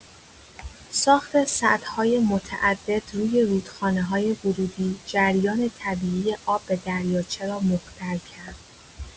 ساخت سدهای متعدد روی رودخانه‌های ورودی، جریان طبیعی آب به دریاچه را مختل کرد.